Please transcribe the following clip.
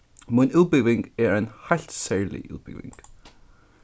mín útbúgving er ein heilt serlig útbúgving